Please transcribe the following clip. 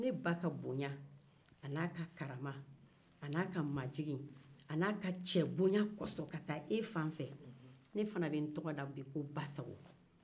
ne ba ka bonya karama majigin cɛbonya kama ne be n tɔgɔ da ko basago